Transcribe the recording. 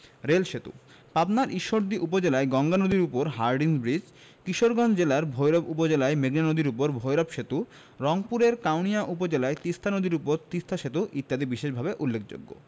rail সেতুঃ পাবনার ঈশ্বরদী উপজেলায় গঙ্গা নদীর উপর হার্ডিঞ্জ ব্রিজ কিশোরগঞ্জ জেলার ভৈরব উপজেলায় মেঘনা নদীর উপর ভৈরব সেতু রংপুরের কাউনিয়া উপজেলায় তিস্তা নদীর উপর তিস্তা সেতু ইত্যাদি বিশেষভাবে উল্লেখযোগ্য